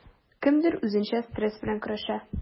Кемдер үзенчә стресс белән көрәшә.